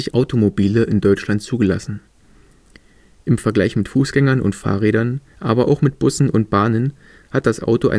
Automobile in Deutschland zugelassen. Im Vergleich mit Fußgängern und Fahrrädern, aber auch mit Bussen und Bahnen hat das Auto